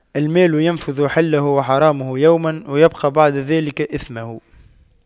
المال ينفد حله وحرامه يوماً ويبقى بعد ذلك إثمه